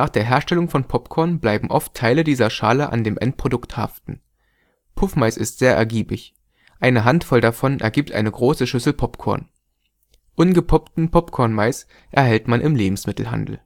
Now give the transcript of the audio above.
der Herstellung von Popcorn bleiben oft Teile dieser Schale an dem Endprodukt haften. Puffmais ist sehr ergiebig. Eine Handvoll davon ergibt eine große Schüssel Popcorn. Ungepoppten Popcornmais erhält man im Lebensmittelhandel